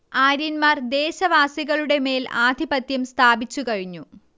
ആര്യന്മാർ ദേശവാസികളുടെമേൽ ആധിപത്യം സ്ഥാപിച്ചു കഴിഞ്ഞു